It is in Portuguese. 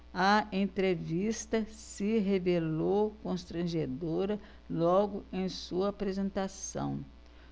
a entrevista se revelou constrangedora logo em sua apresentação